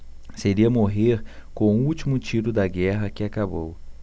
seria morrer com o último tiro da guerra que acabou